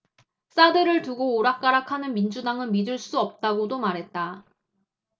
사드를 두고 오락가락하는 민주당은 믿을 수 없다고도 말했다